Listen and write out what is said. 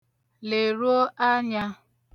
Leruo anya!